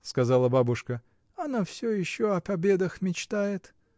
— сказала бабушка, — она всё еще о победах мечтает.